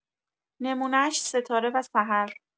نمونش ستاره و سحر